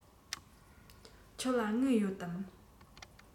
ཁྱོད ལ དངུལ ཡོད དམ